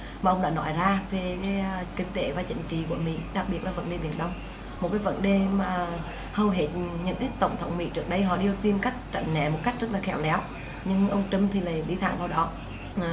và ông đã nói ra về kinh tế và chính trị của mỹ đặc biệt là vấn đề biển đông một cái vấn đề mà hầu hết những cái tổng thống mỹ trước đây họ đều tìm cách tránh né một cách rất là khéo léo nhưng ông trum thì lị đi thẳng vào đó